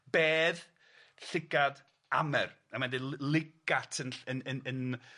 bedd, llygad, Amer, a ma'n deud ly- lygat yn ll- yn yn yn